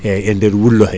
eyyi e nder wullo he